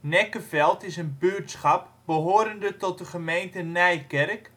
Nekkeveld is een buurtschap behorende tot de gemeente Nijkerk